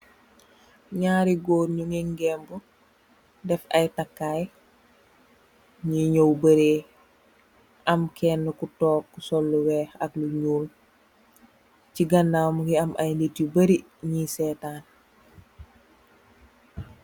Ñaari gór ñugii ngembu def ay takai ñgii ñaw bareh am Kenna ki tóóg sol lu wèèx ak lu ñuul. Ci ganaw mugii am ay nit yu barri ñii sèètan.